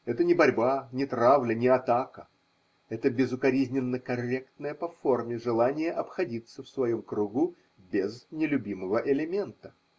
Это не борьба, не травля, не атака: это – безукоризненно корректное по форме желание обходиться в своем кругу без нелюбимого элемента.